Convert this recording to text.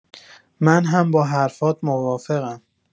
من هم با حرفات موافقم.